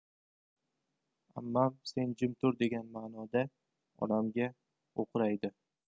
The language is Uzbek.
ammam sen jim tur degan manoda onamga o'qraydi